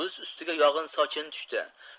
ust ustiga yog'in sochin tushdi